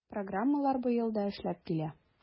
Программалар быел да эшләп килә.